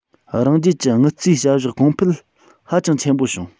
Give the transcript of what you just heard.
རང རྒྱལ གྱི དངུལ རྩའི བྱ གཞག གོང སྤེལ ཧ ཅང ཆེན པོ བྱུང